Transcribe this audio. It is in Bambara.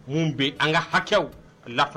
Minnu bɛ an ka hakɛw la